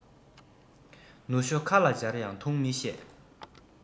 ནུ ཞོ ཁ ལ སྦྱར ཡང འཐུང མི ཤེས